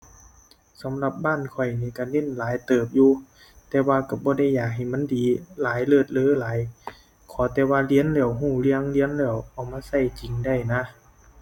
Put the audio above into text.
สำหรับบ้านข้อยนี่ ก็เน้นหลายเติบอยู่ แต่ว่าก็บ่ได้อยากให้มันดีหลาย เลิศเลอหลาย ขอแต่ว่าเรียนแล้วก็เรื่อง เรียนแล้วเอามาก็จริงได้นะ